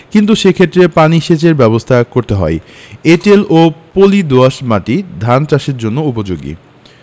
কিন্তু সেক্ষেত্রে পানি সেচের ব্যাবস্থা করতে হয় এঁটেল ও পলি দোআঁশ মাটি ধান চাষের জন্য উপযোগী